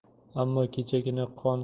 ammo kechagina qon